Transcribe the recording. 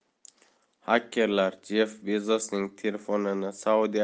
xakerlar jeff bezosning telefonini saudiya